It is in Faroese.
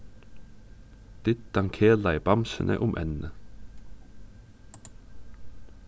diddan kelaði bamsuni um ennið